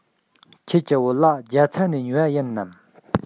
ཁྱེད ཀྱི བོད ལྭ རྒྱ ཚ ནས ཉོས པ ཡིན ནམ